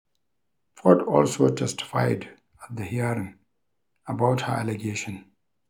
Ford also testified at the hearing about her allegation.